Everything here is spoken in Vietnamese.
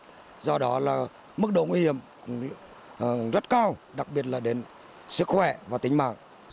do đó là mức độ nguy hiệm ờ rất cao đặc biệt là đến sức khỏe và tính mạng